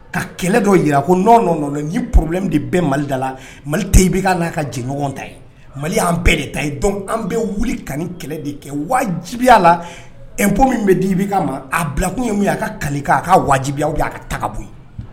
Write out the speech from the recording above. Ka kɛlɛ dɔw jira ko nɔɔnɔ ni porobilɛ de bɛɛ malida la mali ta i bɛ'a ka jɛɲɔgɔn ta ye mali'an bɛɛ de ta an bɛɛ wuli ka ni kɛlɛ de kɛ wajibiya la ep min bɛ di ma a bilakun ye a ka kali a ka wajibiya a ka ta bon